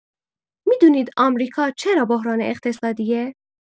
می‌دونید آمریکا چرا بحران اقتصادیه؟